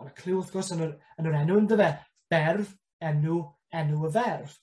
ma' 'na cliw wrth gwrs yn yr yn yr enw on'd yfe? Berf, enw, enw y ferf.